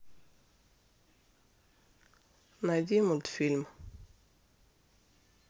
найди мультфильм